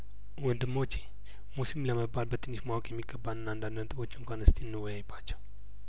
ወንድሞቼ ሙስሊም ለመባል በትንሽ ማወቅ የሚገባንን አንዳንድ ነጥቦች እንኳን እስቲ እንወያይባቸው